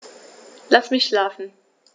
Lass mich schlafen